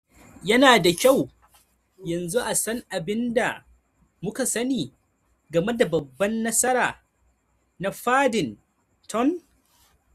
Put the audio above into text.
Yana da kyau yanzu a san abin da muka sani game da babban nasara na Paddington."